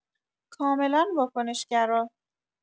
کاملا واکنش گرا